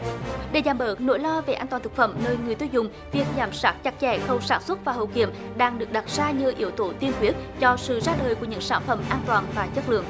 để giảm bớt nỗi lo về an toàn thực phẩm nơi người tiêu dùng việc giám sát chặt chẽ khâu sản xuất và hậu kiểm đang được đặt ra như yếu tố tiên quyết cho sự ra đời của những sản phẩm an toàn và chất lượng